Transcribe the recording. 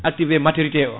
activé maturité o